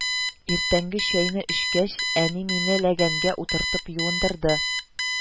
Иртәнге чәйне эчкәч, әни мине ләгәнгә утыртып юындырды